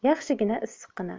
yaxshi issiqqina